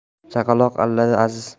chaqaloq allada aziz